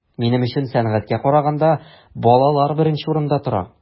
Минем өчен сәнгатькә караганда балалар беренче урында тора.